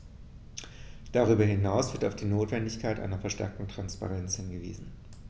Darüber hinaus wird auf die Notwendigkeit einer verstärkten Transparenz hingewiesen.